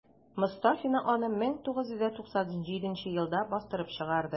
Мостафина аны 1997 елда бастырып чыгарды.